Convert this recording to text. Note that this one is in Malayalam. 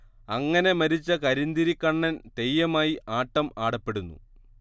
അങ്ങനെ മരിച്ച കരിന്തിരി കണ്ണൻ തെയ്യമായി ആട്ടം ആടപ്പെടുന്നു